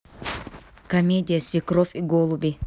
комедия свекровь и голуби